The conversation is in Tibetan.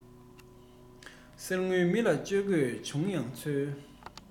གསེར དངུལ མི ལ བཅོལ དགོས བྱུང ཡང ཆོལ